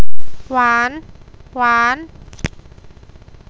หวานหวาน